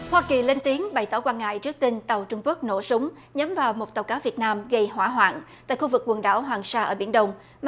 hoa kỳ lên tiếng bày tỏ quan ngại trước tình tàu trung quốc nổ súng nhắm vào một tàu cá việt nam gây hỏa hoạn tại khu vực quần đảo hoàng sa ở biển đông mà